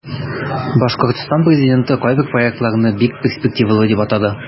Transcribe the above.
Башкортстан президенты кайбер проектларны бик перспективалы дип атады.